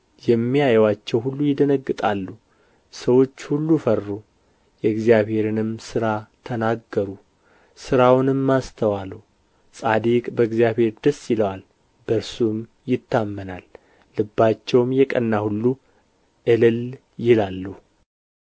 የሚያዩአቸውም ሁሉ ይደነግጣሉ ሰዎች ሁሉ ፈሩ የእግዚአብሔርንም ሥራ ተናገሩ ሥራውንም አስተዋሉ ጻድቅ በእግዚአብሔር ደስ ይለዋል በእርሱም ይታመናል ልባቸውም የቀና ሁሉ እልል ይላሉ